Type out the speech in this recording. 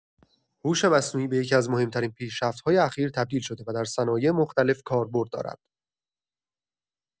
هوش مصنوعی به یکی‌از مهم‌ترین پیشرفت‌های اخیر تبدیل شده و در صنایع مختلف کاربرد دارد.